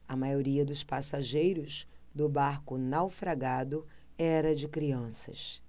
a maioria dos passageiros do barco naufragado era de crianças